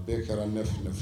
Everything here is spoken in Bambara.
E kɛra ne f fɛ